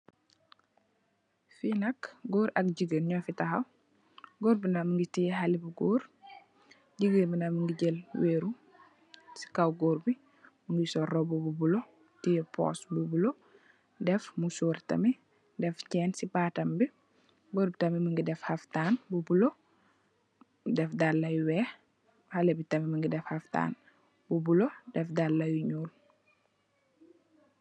Fi nak gòor ak jigeen nyo fi tahaw. Gòor bi nak mungi tè haley bu góor, jigéen bi nak mungi tè wërru ci kaw gòor, mungi sol robbu bulo té pus bu bulo, def musóor tamit, def chenn ci bataam bi. Gòor bi tamit mungi def haftaan bu bulo, def daal li yu weeh. Haley bi tamit mungi def haftaan bu bulo, def daal yi ñuul.